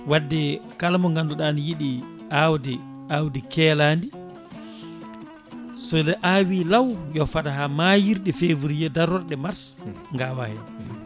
wadde kala mo ganduɗa ne yiiɗi awde awdi keeladi so awi law yo faad ha mayirɗe février darorɗe mars gawa hen